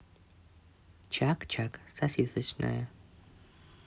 чак чак сосисочная